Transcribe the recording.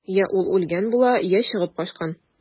Йә ул үлгән була, йә чыгып качкан.